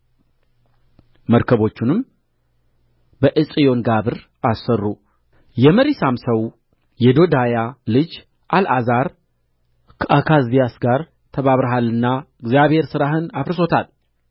መርከቦቹንም በዔጽዮንጋብር አሠሩ የመሪሳም ሰው የዶዳያ ልጅ አልዓዛር ከአካዝያስ ጋር ተባብረሃልና እግዚአብሔር ሥራህን አፍርሶታል